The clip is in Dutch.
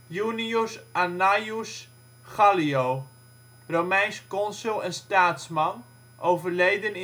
Junius Annaeus Gallio, Romeins consul en staatsman (overleden